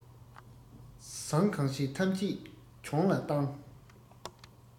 བཟང གང བྱས ཐམས ཅད གྱོང ལ བཏང